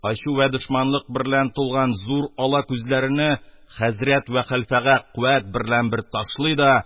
Ачу вә дошманлык берлән тулган зур ала күзләрене хәзрәт вә хәлфәгә куәт берлән бер ташлый да